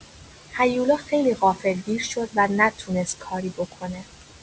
هیولا خیلی غافلگیر شد و نتونست کاری بکنه.